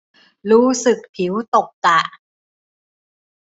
รู้สึกผิวตกกระ